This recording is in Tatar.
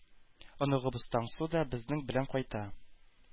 Оныгыбыз таңсу да безнең белән кайта.